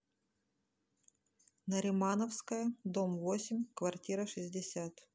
наримановская дом восемь квартира шестьдесят